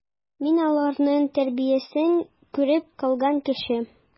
Мин аларның тәрбиясен күреп калган кеше.